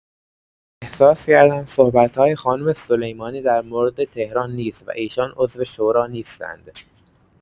احساس کردم صحبت‌های خانم سلیمانی در مورد تهران نیست و ایشان عضو شورا نیستند.